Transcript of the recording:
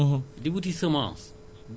di jëndee produits phytosanitaire